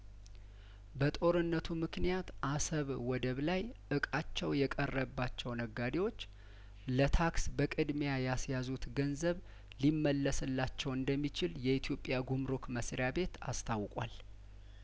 በጦርነቱ ምክንያት አሰብ ወደብ ላይ እቃቸው የቀረባቸው ነጋዴዎች ለታክስ በቅድሚያ ያስያዙት ገንዘብ ሊመለስላቸው እንደሚችል የኢትዮጵያ ጉምሩክ መስሪያ ቤት አስታውቋል